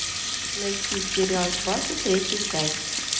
найти сериал сваты третья часть